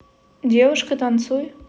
девушка танцуй